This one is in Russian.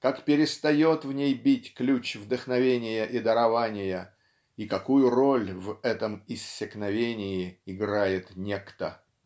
как перестает в ней бить ключ вдохновения и дарования и какую роль в этом иссякновении играет Некто.